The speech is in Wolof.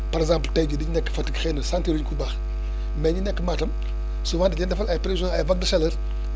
parc exemple tey jii liñ nekk Fatick xëy na sentir ko bu baax mais :frañi nekk Matam souvent dañ leen defal ay prévisions ay vagues de chaleur